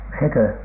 sekö